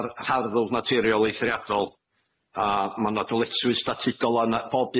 a'r harddwg naturiol eithriadol a ma' 'na dyletswydd statudol arna pob